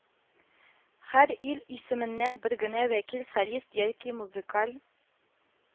Һәр ил исеменнән бер генә вәкил солист яки музыкаль